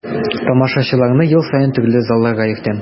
Тамашачыларны ел саен төрле залларга йөртәм.